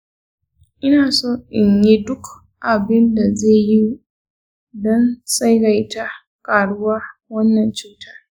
ina so in yi duk abin da zai yiwu don tsagaita ƙaruwar wannan cutar.